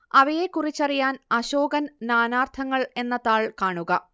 അവയെക്കുറിച്ചറിയാൻ അശോകൻ നാനാർത്ഥങ്ങൾ എന്ന താൾ കാണുക